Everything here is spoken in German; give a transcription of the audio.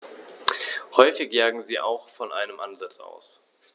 Häufig jagen sie auch von einem Ansitz aus.